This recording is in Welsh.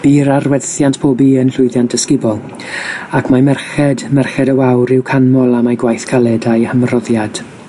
Bu'r arwerthiant pobi yn llwyddiant ysgubol, ac mae merched Merched y Wawr i'w canmol am eu gwaith caled a'u hymroddiad.